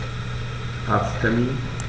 Arzttermin